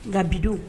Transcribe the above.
Nka bidenw